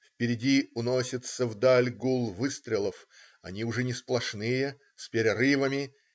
Впереди уносится вдаль гул выстрелов, они уже не сплошные, с перерывами.